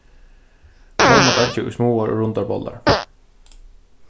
forma deiggið í smáar og rundar bollar